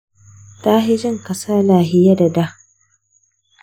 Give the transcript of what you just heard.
ta fi jin kasala fiye da da.